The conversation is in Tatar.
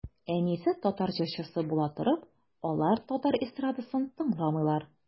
Әнисе татар җырчысы була торып, алар татар эстрадасын тыңламыйлар.